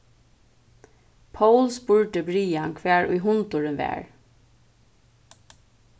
poul spurdi brian hvar ið hundurin var